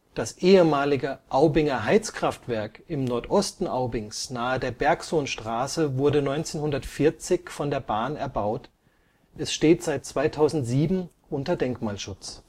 Das ehemalige Aubinger Heizkraftwerk im Nordosten Aubings nahe der Bergsonstraße wurde 1940 von der Bahn erbaut. Es steht seit 2007 unter Denkmalschutz